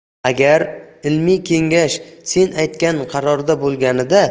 agar ilmiy kengash sen aytgan qarorda